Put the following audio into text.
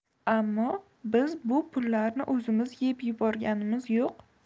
ammo biz bu pullarni o'zimiz yeb yuborganimiz yo'q